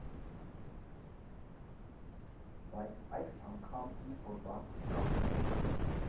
Բայց այս անգամ ինչ֊որ բան սխալ գնաց։